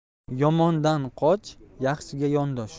yomondan qoch yaxshiga yondosh